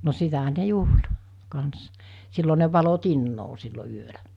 no sitähän ne juhli kanssa silloin ne valoi tinaa silloin yöllä